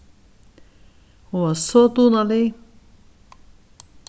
hon var so dugnalig